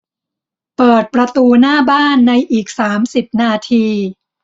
เปิดประตูหน้าบ้านในอีกสามสิบนาที